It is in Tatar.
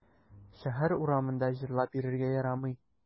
Шәһәр урамында җырлап йөрергә ярамый.